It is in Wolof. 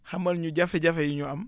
xamal ñu jafe-jafe yi ñu am